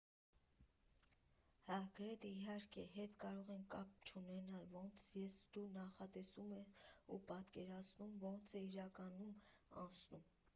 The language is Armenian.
Հա, գրեթե իրար հետ կարող են կապ չունենալ՝ ոնց ես դու նախատեսում ու պատկերացնում, ու ոնց է իրականում անցնում։